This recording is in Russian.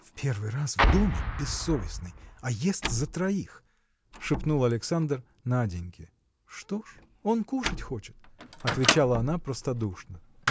– В первый раз в доме, бессовестный, а ест за троих! – шепнул Александр Наденьке. – Что ж! он кушать хочет! – отвечала она простодушно.